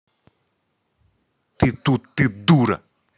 ты тут ты дура